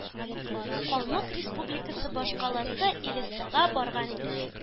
Калмык республикасы башкаласы Элистага барган идек.